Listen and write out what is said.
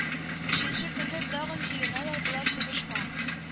Өченче көнне тагын җыеналар болар сугышка